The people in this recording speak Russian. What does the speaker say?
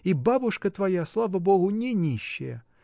И бабушка твоя, слава Богу, не нищая!